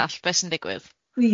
dallt be' sy'n digwydd.